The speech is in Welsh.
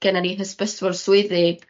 gennon ni hysbysfwrdd swyddi